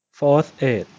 โฟธเอด